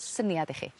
...syniad i chi.